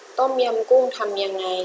ต้มยำกุ้งทำยังไง